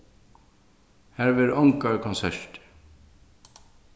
har verða ongar konsertir